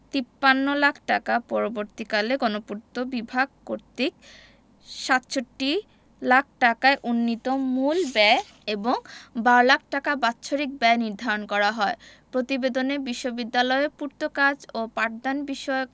৫৩ লাখ টাকা পরবর্তীকালে গণপূর্ত বিভাগ কর্তৃক ৬৭ লাখ টাকায় উন্নীত মূল ব্যয় এবং ১২ লাখ টাকা বাৎসরিক ব্যয় নির্ধারণ করা হয় প্রতিবেদনে বিশ্ববিদ্যালয়ের পূর্তকাজ ও পাঠদানবিষয়ক